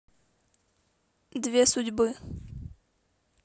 две судьбы